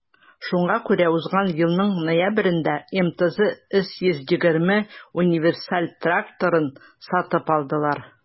Шуңа күрә узган елның ноябрендә МТЗ 320 универсаль тракторын сатып алдылар.